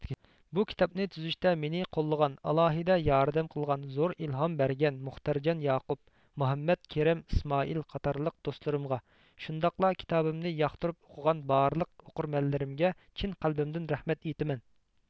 بۇ كىتابنى تۈزۈشتە مېنى قوللىغان ئالاھىدە ياردەم قىلغان زور ئىلھام بەرگەن مۇختەرجان ياقۇپ مۇھەممەد كېرەم ئىسمائىل قاتارلىق دوستلىرىمغا شۇنداقلا كىتابىمنى ياقتۇرۇپ ئوقۇغان بارلىق ئوقۇرمەنلىرىمگە چىن قەلبىمدىن رەھمەت ئېيتىمەن